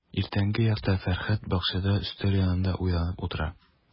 Иртәнге якта Фәрхәт бакчада өстәл янында уйланып утыра.